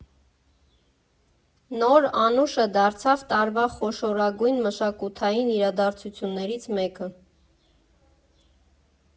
Նոր «Անուշը» դարձավ տարվա խոշորագույն մշակութային իրադարձություններից մեկը։